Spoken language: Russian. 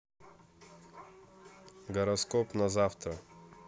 гороскоп на завтра